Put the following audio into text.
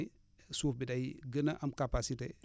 suuf bi day gën a am capacité